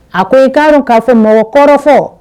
A ko i'a k'a fɔ mɔgɔ kɔrɔfɔ fɔ